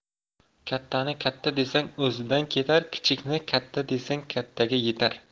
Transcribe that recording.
kattani katta desang o'zidan ketar kichikni katta desang kattaga yetar